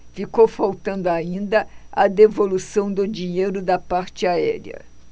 ficou faltando ainda a devolução do dinheiro da parte aérea